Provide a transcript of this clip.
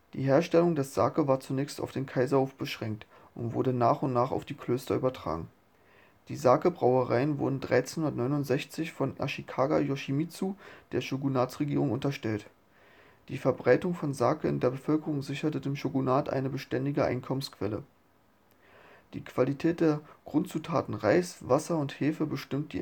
Die Herstellung des Sake war zunächst auf den Kaiserhof beschränkt und wurde nach und nach auf die Klöster übertragen. Die Sake-Brauereien wurden 1369 von Ashikaga Yoshimitsu der Shogunatsregierung unterstellt. Die Verbreitung von Sake in der Bevölkerung sicherte dem Shogunat eine beständige Einkommensquelle. Die Qualität der Grundzutaten Reis, Wasser und Hefe bestimmt